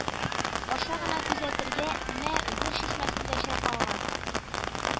Аша гына күзәтергә мә бүр чишмәсендә чайкалган